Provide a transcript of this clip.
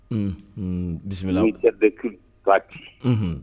Un bisimilaminakɛ bɛki pati